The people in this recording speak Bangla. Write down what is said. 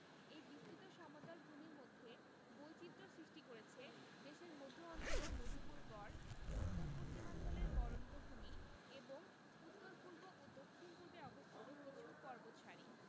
এই বিস্তৃত সমতল ভূমির মধ্যে বৈচিত্র্য সৃষ্টি করেছে দেশের মধ্য অঞ্চলের মধুপুর গড় উত্তর পশ্চিমাঞ্চলের বরেন্দ্রভূমি এবং উত্তর পূর্ব ও দক্ষিণ পূর্বে অবস্থিত কিছু পর্বতসারি